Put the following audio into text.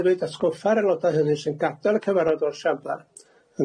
hefyd atgoffa'r aelodau heddiw sy'n gadael y cyfarfod o'r siambr,